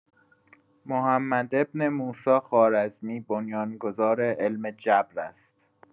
محمد بن موسی خوارزمی بنیان‌گذار علم جبر است.